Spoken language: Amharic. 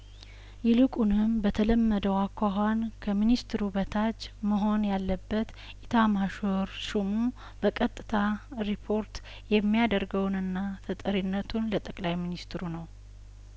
ይልቁንም በተለመደው አኳኋን ከሚኒስትሩ በታች መሆን ያለበት ኤታማዦር ሹም በቀጥታ ሪፖርት የሚያደርገውንና ተጠሪነቱን ለጠቅላይ ሚኒስትሩ ነው